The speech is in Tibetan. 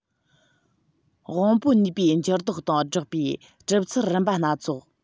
དབང པོའི ནུས པའི འགྱུར ལྡོག དང སྦྲགས པའི གྲུབ ཚུལ རིམ པ སྣ ཚོགས